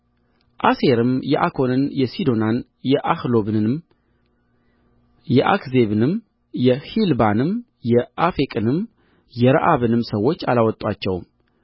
አሴርም የዓኮንና የሲዶንን የአሕላብንም የአክዚብንም የሒልባንም የአፌቅንም የረአብንም ሰዎች አላወጣቸውም